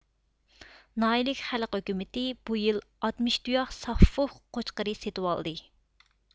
ناھىيىلىك خەلق ھۆكۈمىتى بۇ يىل ئاتمىش تۇياق سافۇق قوچقىرى سېتىۋالدى